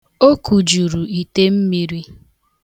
O kujuru ite mmiri.